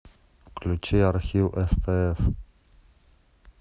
включи архив стс